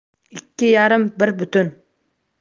ikki yarim bir butun